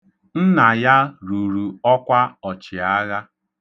Nna ya ruru ọkwa Ọchịagha.